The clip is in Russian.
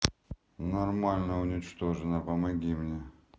морально уничтожена помоги мне